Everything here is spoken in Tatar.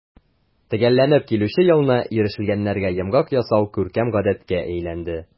Төгәлләнеп килүче елны ирешелгәннәргә йомгак ясау күркәм гадәткә әйләнде.